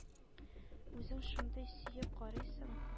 Үзең шундый сөеп карыйсың.